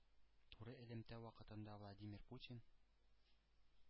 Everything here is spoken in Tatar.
“туры элемтә” вакытында владимир путин: